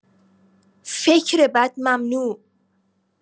فکر بد ممنوع!